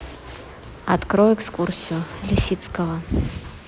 открой экскурсию лисицкого